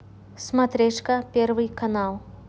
смотрешка первый канал